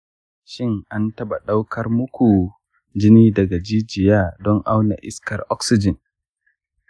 shin an taɓa ɗaukar muku jini daga jijiya don auna iskar oxygen?